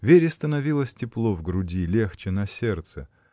Вере становилось тепло в груди, легче на сердце.